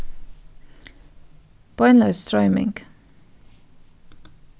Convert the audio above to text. beinleiðis stroyming